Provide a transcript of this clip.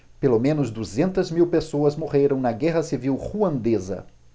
pelo menos duzentas mil pessoas morreram na guerra civil ruandesa